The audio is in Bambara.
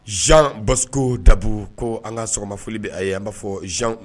Zan basi dabo ko an ka sɔgɔma foli bɛ a ye an b'a fɔ zani